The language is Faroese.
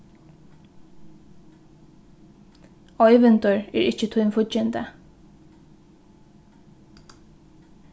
oyvindur er ikki tín fíggindi